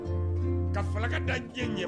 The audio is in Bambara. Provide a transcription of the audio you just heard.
Ka ka da diɲɛ ɲɛ